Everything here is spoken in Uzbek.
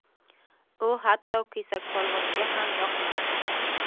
u hatto kesakpolvonga ham yoqmadi